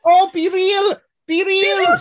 O BeReal! BeReal!